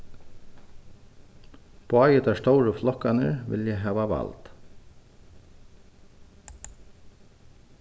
báðir teir stóru flokkarnir vilja hava vald